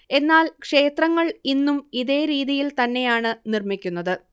എന്നാൽ ക്ഷേത്രങ്ങൾ ഇന്നും ഇതേ രീതിയില് തന്നെയാണ് നിര്മ്മിക്കുന്നത്